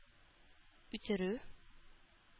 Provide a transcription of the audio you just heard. Үтерү